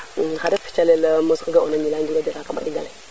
xarel calel mosu ke ga ona Gnilane Ndour a jala kama ɗingale